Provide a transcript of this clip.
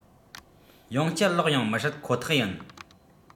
ཡང བསྐྱར ལོག ཡོང མི སྲིད ཁོ ཐག ཡིན